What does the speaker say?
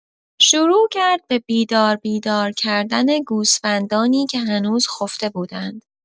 شروع کرد به بیدار بیدار کردن گوسفندانی که هنوز خفته بودند.